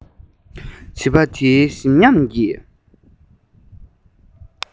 བྱིས པ དེའི ཞིམ ཉམས ཀྱི